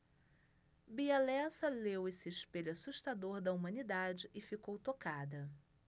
bia lessa leu esse espelho assustador da humanidade e ficou tocada